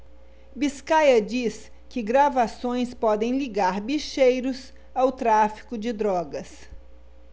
biscaia diz que gravações podem ligar bicheiros ao tráfico de drogas